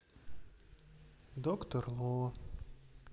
доктор ло